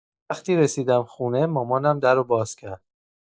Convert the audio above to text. وقتی رسیدم خونه، مامانم در رو باز کرد.